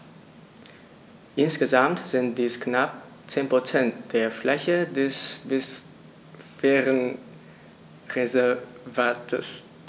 Insgesamt sind dies knapp 10 % der Fläche des Biosphärenreservates.